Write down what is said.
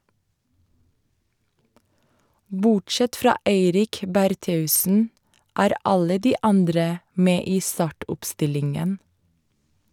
- Bortsett fra Eirik Bertheussen er alle de andre med i startoppstillingen.